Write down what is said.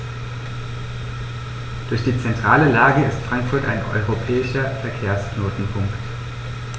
Durch die zentrale Lage ist Frankfurt ein europäischer Verkehrsknotenpunkt.